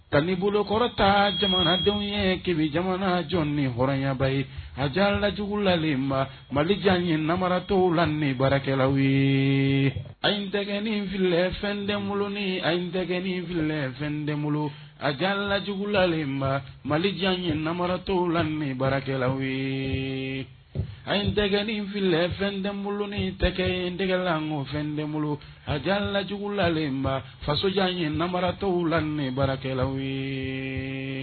Ka ni bolokɔrɔta jamanadenw ye kɛmɛ jamana jɔn ni hɔrɔnyaba ye a jalajlalen malijan ye namaratɔ la ni baarakɛla ye a in dɛ ni fili fɛn denin a ye dɛ fili fɛn den bolo a jalajugulalen inba malijan ye naratɔ la baarakɛla ye a ye dɛ nin fili fɛn den boloin tɛgɛ n tɛgɛlakɔfɛn den bolo a jalajugulalen inba fasojan ye naratɔ la baarakɛlalaw ye